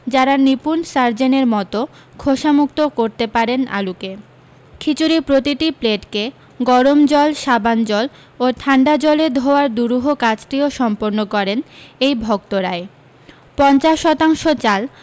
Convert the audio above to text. যারা নিপুণ সার্জেনের মতো খোসামুক্ত করতে পারেন আলুকে খিচুড়ির প্রতিটি প্লেটকে গরম জল সাবান জল ও ঠান্ডা জলে ধোওয়ার দূরহ কাজটিও সম্পন্ন করেন এই ভক্তরাই পঞ্চাশ শতাংশ চাল